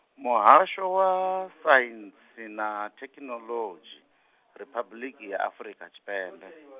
Muhasho wa Saintsi na Thekhinoḽodzhi, Riphabuḽiki ya Afrika Tshipembe.